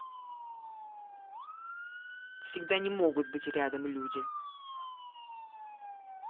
всегда не могут быть рядом люди